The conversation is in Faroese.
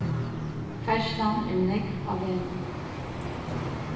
ferðslan er nógv á vegnum